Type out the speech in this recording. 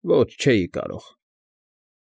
Ոչ, չէի կարող։